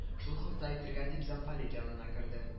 Шул хакта әйтергә дип замполит янына керде